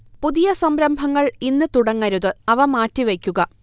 പുതിയ സംരംഭങ്ങൾ ഇന്ന് തുടങ്ങരുത് അവ മാറ്റിവയ്ക്കുക